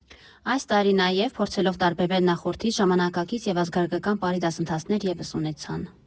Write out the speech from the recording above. Այս տարի նաև, փորձելով տարբերվել նախորդից, ժամանակակից և ազգագրական պարի դասընթացներ ևս ունեցան։